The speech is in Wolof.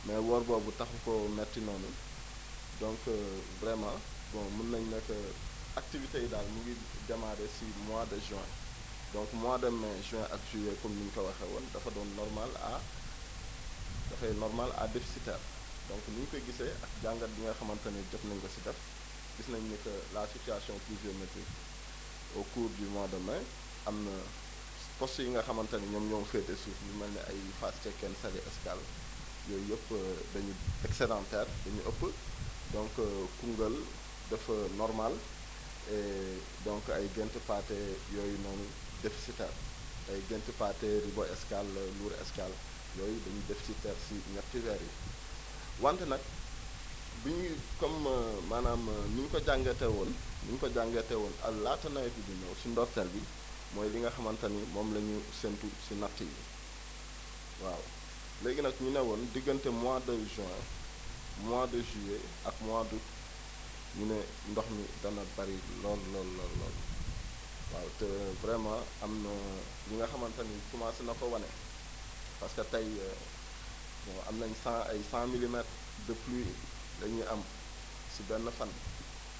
mais woor googu taxu koo métti noonu donc vraiment bon mën nañu ne que activités yi daal mu ngi démarré si mois de juin donc mois de mai juin ak juillet comme ni ñu ko waxee woon dafa doon normal à dafay normal à déficitaire donc ni ñu koy gisee ak jàngat bi nga xamante ni jox nañu ko si gis nañu ni que la situation pluviomètrique au cours du mois de mai am na postes yi nga xamante ni ñoom ñoo féetee suuf lu mel ni ay Fass Cekkeen Saly Escale yooyu yëpp dañu exedentaires dañu ëpp donc Koungheul dafa normal et donc ay Gént Pathé yooyu noonu déficitaires ay Gént Pathé Rivo Escale Lour Escale yooyu dañuy déficitaires si ñetti weer yi wante nag bi ñuy comme maanaam ni ñu ko jàngateewoon ni ñu ko jàngateewoon à laata nawet bi di ñëw si ndorteel bi mooy li nga xamante ni moom la ñu séentu si natt yi waaw léegi nag énu ne woon diggante mois de juin mois de juillet ak mois d' aôut ñu ne ndox mi dana bëri lool lool lool lool lool waaw te vraiment am na ñi nga xamante ni commencé na ko fa wane parce que tey bon am nañu 100 ay 100 milimètres de pluie la ñuy am si benn fan